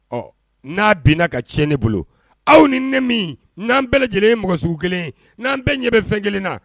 Ɔ n'a bin ka tiɲɛ ne bolo aw ni ne min n'an bɛɛ lajɛlen ye mɔgɔ sugu kelen n'an bɛɛ ɲɛ bɛ fɛn kelen na